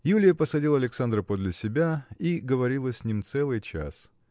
Юлия посадила Александра подле себя и говорила с ним целый час.